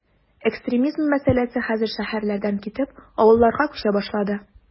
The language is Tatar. Экстремизм мәсьәләсе хәзер шәһәрләрдән китеп, авылларга “күчә” башлады.